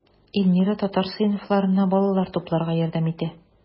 Эльмира татар сыйныфларына балалар тупларга ярдәм итә.